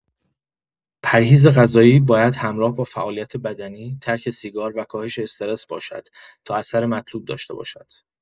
پرهیز غذایی باید همراه با فعالیت بدنی، ترک سیگار و کاهش استرس باشد تا اثر مطلوب داشته باشد.